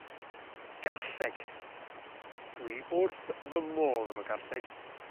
Garlleg. Dw i wrth fy modd efo garlleg.